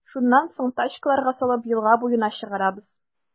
Шуннан соң, тачкаларга салып, елга буена чыгарабыз.